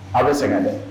Aw bɛ sɛgɛn dɛ